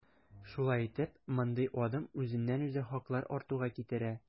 Шулай итеп, мондый адым үзеннән-үзе хаклар артуга китерә.